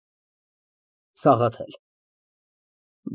ԲԱԳՐԱՏ ֊ Ա, ինչ պարահանդես։ Ես ամեն ինչ մոռացա։